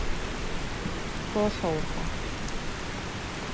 Баш авырта.